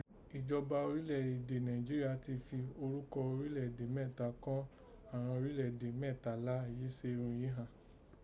Ìjọba orílẹ̀ èdè Nàìjíríà ti fi orúkọ orílẹ̀ èdè mẹ́ta kọ́n àghan orílẹ̀ èdè mẹ́tàlá yìí ṣe irun yìí ghàn